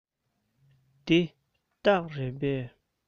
འདི སྟག རེད པས